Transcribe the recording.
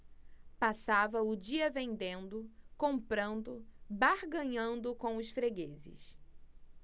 passava o dia vendendo comprando barganhando com os fregueses